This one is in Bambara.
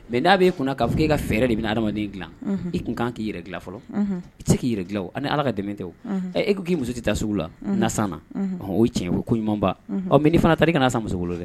Mɛ n' bɛ ee kun k'a fɔ k'i ka fɛɛrɛ de bɛ adamadamaden dila i tun kan k'i yɛrɛ dilan fɔlɔ i tɛ se k'i yɛrɛ dilan aw ni ala ka dɛmɛ tɛ ɛ e ko k'i muso tɛ taa sugu la nasa cɛn koɲumanba ɔ mɛ' fana ta i kana muso wolo fɛ